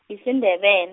isiNdebel-.